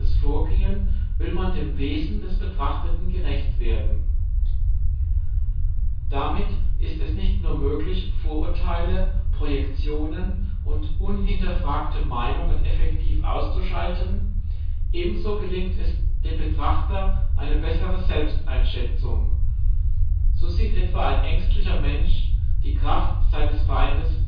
Vorgehen, will man dem Wesen des Betrachteten gerecht werden. Damit ist es nicht nur möglich, Vorurteile (Projektionen) und unhinterfragte Meinungen effektiv auszuschalten. Ebenso gelingt dem Betrachter eine bessere Selbsteinschätzung. So sieht etwa ein ängstlicher Mensch die Kraft eines Feindes